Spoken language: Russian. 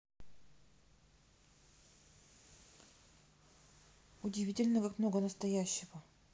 удивительная как много настоящего